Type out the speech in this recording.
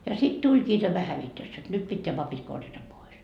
ja sitten tulikin tämä hävitys jotta nyt pitää papit korjata pois